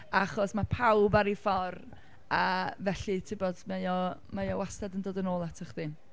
Achos mae pawb ar eu ffordd a felly, tibod, mae o mae o wastad yn dod yn ôl ata chdi.